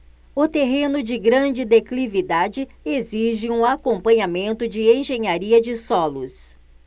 o terreno de grande declividade exige um acompanhamento de engenharia de solos